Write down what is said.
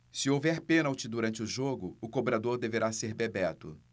se houver pênalti durante o jogo o cobrador deverá ser bebeto